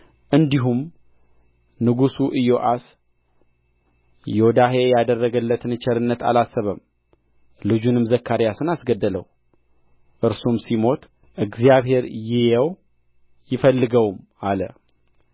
እንዲሁም ንጉሡ ኢዮአስ ዮዳሄ ያደረገለትን ቸርነት አላሰበም ልጁንም ዘካርያስን አስገደለው እርሱም ሲሞት እግዚአብሔር ይየው ይፈልገውም አለ